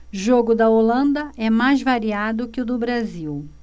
jogo da holanda é mais variado que o do brasil